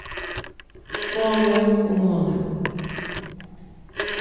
holið og moli